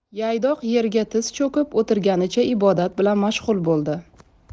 yaydoq yerga tiz cho'kib o'tirganicha ibodat bilan mashg'ul bo'ldi